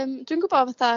Yym dwi'n gwbo fatha'